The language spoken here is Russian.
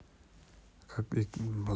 и как они называются